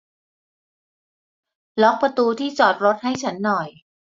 ล็อกประตูที่จอดรถให้ฉันหน่อย